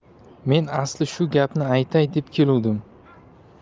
men asli shu gapni aytay deb keluvdim